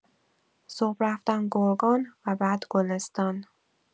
صبح رفتم گرگان و بعد گلستان.